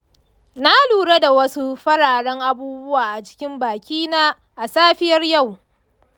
na lura da wasu fararen abubwa a cikin bakina a safiyar yau.